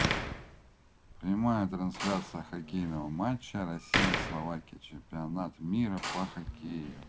прямая трансляция хоккейного матча россия словакия чемпионат мира по хоккею